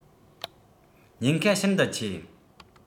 ཉེན ཁ ཤིན ཏུ ཆེ